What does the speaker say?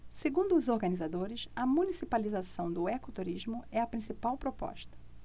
segundo os organizadores a municipalização do ecoturismo é a principal proposta